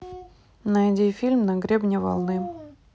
найди фильм на гребне волны